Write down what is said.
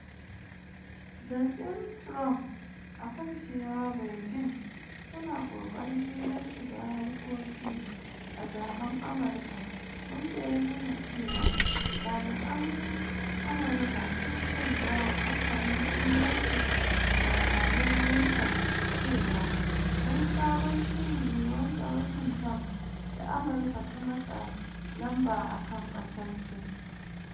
Zargin Trump akan cewa Beijing tana kokarin neman shiga harkokin a zaben Amurka wanda ya nuna cewa jami'an Amurka sun shaida wa kamfanin dillancin labarun Reuters cewa, wani sabon shiri ne na Washington da Amurka ta matsa lamba kan kasar Sin.